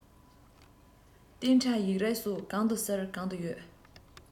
གཏན ཁྲ ཡིག རིགས སོགས གང དུ གསལ གང དུ ཡོད